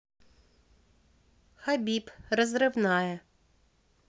хабиб разрывная